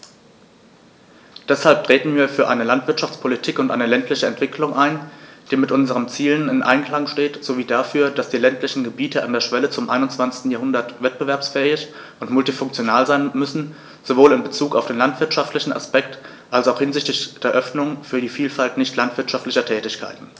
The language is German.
Deshalb treten wir für eine Landwirtschaftspolitik und eine ländliche Entwicklung ein, die mit unseren Zielen im Einklang steht, sowie dafür, dass die ländlichen Gebiete an der Schwelle zum 21. Jahrhundert wettbewerbsfähig und multifunktional sein müssen, sowohl in bezug auf den landwirtschaftlichen Aspekt als auch hinsichtlich der Öffnung für die Vielfalt nicht landwirtschaftlicher Tätigkeiten.